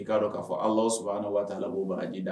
I ka dɔn ka fɔ Alahu subahana watala bo baraji